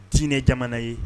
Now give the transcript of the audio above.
Diinɛ jamana ye